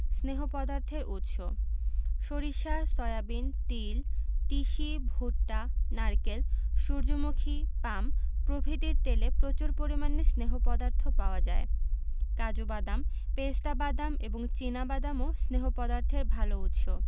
স্নেহ পদার্থের উৎস সরিষা সয়াবিন তিল তিসি ভুট্টা নারকেল সুর্যমুখী পাম প্রভৃতির তেলে প্রচুর পরিমাণে স্নেহ পদার্থ পাওয়া যায় কাজু বাদাম পেস্তা বাদাম এবং চিনা বাদামও স্নেহ পদার্থের ভালো উৎস